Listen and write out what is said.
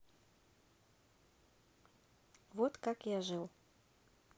вот как я жил